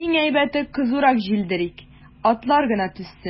Иң әйбәте, кызурак җилдерик, атлар гына түзсен.